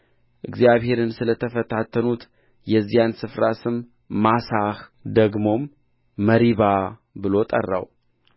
እግዚአብሔርን ስለተፈታተኑት የዚያን ስፍራ ስም ማሳህ ደግሞም መሪባ ብሎ ጠራው